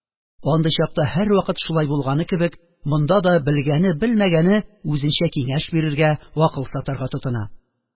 Андый чакта һәрвакыт шулай булганы кебек, монда да белгәне-белмәгәне үзенчә киңәш бирергә, акыл сатарга тотына.